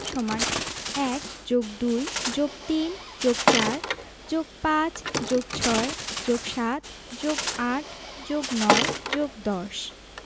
= ১+২+৩+৪+৫+৬+৭+৮+৯+১০